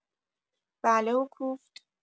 بله و کوفت